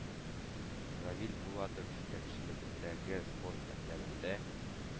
Равил Булатов җитәкчелегендәге спорт мәктәбендә